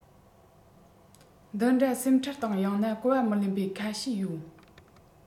འདི འདྲ སེམས ཁྲལ དང ཡང ན གོ བ མི ལེན པའི ཁ ཤས ཡོད